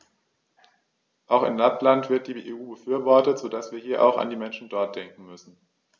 Auch in Lappland wird die EU befürwortet, so dass wir hier auch an die Menschen dort denken müssen.